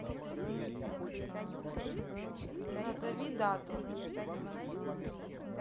назови дату